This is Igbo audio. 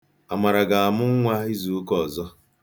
Amara ga-amụ nwa izụụka ọzọ.